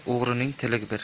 g'ar o'g'rining tili bir